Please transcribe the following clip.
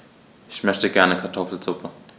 Ich möchte gerne Kartoffelsuppe.